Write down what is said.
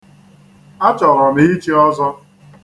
Achọrọ m ichi ọzọ.